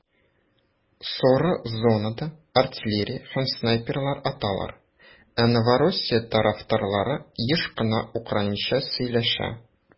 Соры зонада артиллерия һәм снайперлар аталар, ә Новороссия тарафтарлары еш кына украинча сөйләшә.